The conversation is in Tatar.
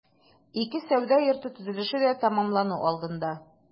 Ике сәүдә йорты төзелеше дә тәмамлану алдында.